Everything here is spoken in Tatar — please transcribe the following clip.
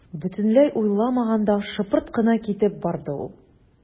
Бөтенләй уйламаганда шыпырт кына китеп барды ул.